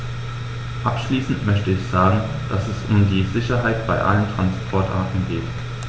Abschließend möchte ich sagen, dass es um die Sicherheit bei allen Transportarten geht.